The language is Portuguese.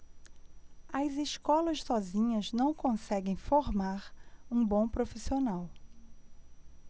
as escolas sozinhas não conseguem formar um bom profissional